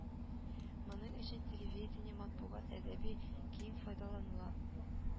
Моның өчен телевидение, матбугат, әдәби киң файдаланыла